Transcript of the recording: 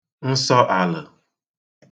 nsoàlə̣̀